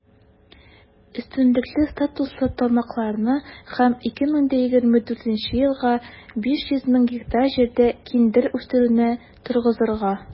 Өстенлекле статуслы тармакларны һәм 2024 елга 500 мең гектар җирдә киндер үстерүне торгызырга.